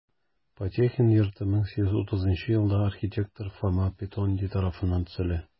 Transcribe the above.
Потехин йорты 1830 елда архитектор Фома Петонди тарафыннан төзелә.